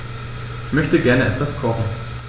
Ich möchte gerne etwas kochen.